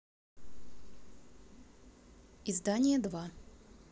издание два